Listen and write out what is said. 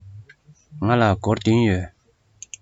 ང ལ སྒོར བདུན ཡོད